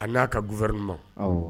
A n'a ka gouvernement awɔ